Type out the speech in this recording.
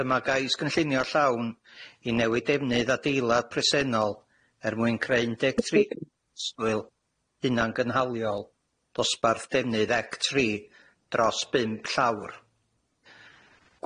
dyma gais gynllunio llawn i newid defnydd adeilad presennol er mwyn creu un deg tri preswyl hunnan gynhalio dosbarth defnydd act tri dros bump llawr.